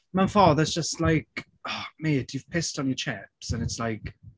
Mewn ffordd it's just like "Mate you've pissed on your chips", and it's like...